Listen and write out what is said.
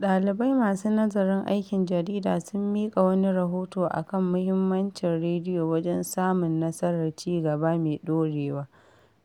ɗalibai masu nazarin aikin jarida sun miƙa wani rahoto a kan muhimmancin rediyo wajen samun nasarar ci-gaba mai ɗorewa.